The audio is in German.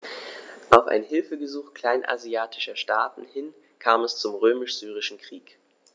Auf ein Hilfegesuch kleinasiatischer Staaten hin kam es zum Römisch-Syrischen Krieg.